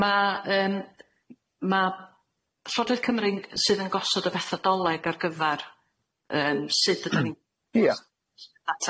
Ma' yym ma' Llondraith Cymru'n sydd yn gosod y fethodoleg ar gyfar yym sud ydan ni'n... Ia.